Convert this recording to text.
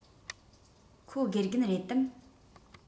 ཁོ དགེ རྒན རེད དམ